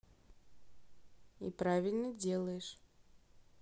и правильно делаешь